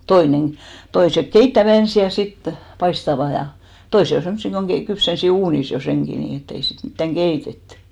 toinen toiset keittävät ensin ja sitten paistavat ja toiset on semmoisia kun - kypsensi uunissa jo senkin niin että ei sitten mitään keitetty